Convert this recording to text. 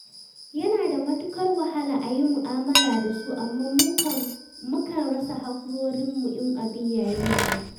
Yana da matuƙar wahala a yi mu'amala da su amma mukan rasa haƙurinmu in abin ya yi yawa.